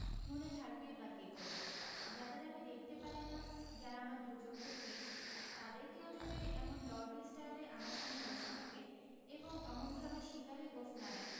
মনে থাকবেই বা কী করে যাদের আমি দেখতে পারি না যারা আমার দুচোখের বিষ তাদের কেউ যদি এমন লর্ডলি স্টাইলে আমার সামনে বসে থাকে এবং অমনভাবে শিকারী গোঁফ নাড়ায়